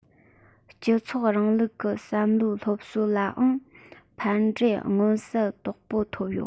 སྤྱི ཚོགས རིང ལུགས ཀྱི བསམ བློའི སློབ གསོ ལའང ཕན འབྲས མངོན གསལ དོད པོ ཐོབ ཡོད